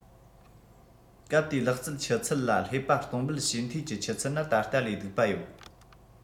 སྐབས དེའི ལག རྩལ ཆུ ཚད ལ བསླེབས པ གཏོང འབུད བྱས འཐུས ཀྱི ཆུ ཚད ནི ད ལྟ ལས སྡུག པ ཡོད